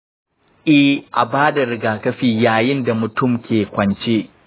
eh, a ba da rigakafi yayin da mutum ke kwance.